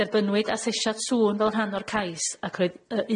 Derbynnwyd asesiad sŵn fel rhan o'r cais ac roedd yy